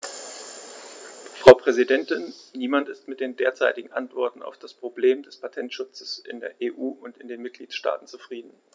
Frau Präsidentin, niemand ist mit den derzeitigen Antworten auf das Problem des Patentschutzes in der EU und in den Mitgliedstaaten zufrieden.